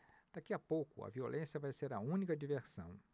daqui a pouco a violência vai ser a única diversão